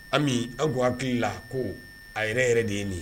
Ami aw kun hakili la ko a yɛrɛ yɛrɛ de ye nin ye.